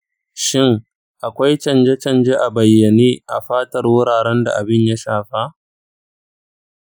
shin akwai canje-canje a bayyane a fatar wuraren da abin ya shafa?